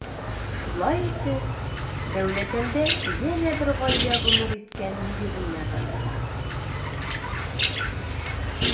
Шулай итеп, Дәүләкәндә янә бер гаилә гомер иткән нигезеннән аерыла.